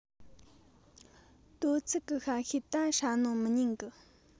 དོ ཚིགས གི ཤ ཤེད ད ཧྲ ནོ མི ཉན གི